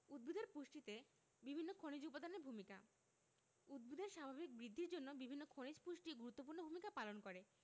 উদ্ভিদের পুষ্টিতে বিভিন্ন খনিজ উপাদানের ভূমিকা উদ্ভিদের স্বাভাবিক বৃদ্ধির জন্য বিভিন্ন খনিজ পুষ্টি গুরুত্বপূর্ণ ভূমিকা পালন করে